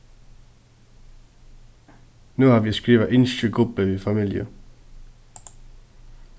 nú havi eg skrivað ynskir gubbi við familju